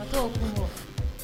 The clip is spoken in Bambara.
Sokɛ to kun